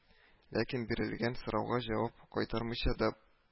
Ләкин бирелгән сорауга җавап кайтармыйча да